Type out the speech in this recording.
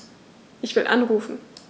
Ich will anrufen.